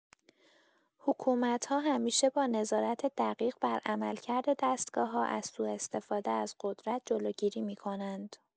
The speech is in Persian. حکومت‌ها همیشه با نظارت دقیق بر عملکرد دستگاه‌ها، از سوء‌استفاده از قدرت جلوگیری می‌کنند.